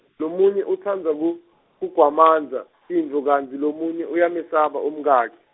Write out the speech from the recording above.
lomunye utsandza ku- kugwamandza, tinfto kantsi lomunye uyamesaba umkakhe.